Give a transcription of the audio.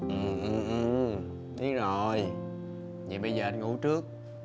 ừ ừ ừ biết rồi dậy bây giờ anh ngủ trước